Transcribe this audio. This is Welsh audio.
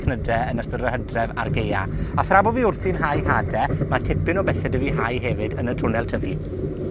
cnyde yn ystod yr Hydref, ar gaea, a thra bo' fi wrthi'n hau hade, ma' tipyn o bethe 'da fi hau hefyd yn y twnel tyfu.